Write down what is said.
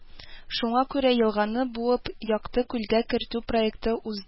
Шуңа күрә елганы буып, Якты күлгә кертү проекты узды